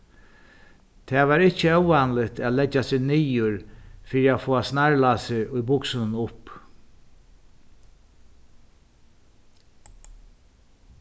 tað var ikki óvanligt at leggja seg niður fyri at fáa snarlásið í buksunum upp